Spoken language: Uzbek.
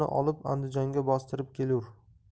olib andijonga bostirib kelur